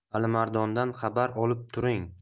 alimardondan xabar olib turing